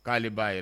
K'ale b'a ye